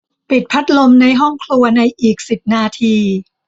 ปิดพัดลมในห้องครัวในอีกสิบนาที